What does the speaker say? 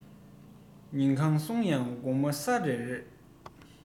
ཉིན གང སོང ཡང དགོང མོ ས དེར ལུས